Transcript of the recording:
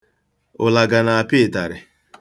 Ụlaga na-apịa ụtarị.